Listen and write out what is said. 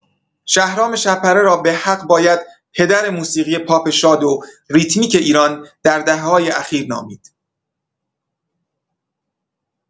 شهرام شب‌پره را به‌حق باید پدر موسیقی پاپ شاد و ریتمیک ایران در دهه‌های اخیر نامید.